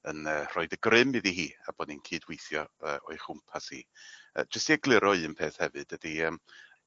yn yy rhoid y grym iddi hi, a bod ni'n cydwithio yy o'i chwmpas hi. Yy jys i egluro un peth hefyd ydi yym